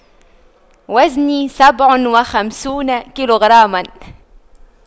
وزني سبع وخمسون كيلو غرام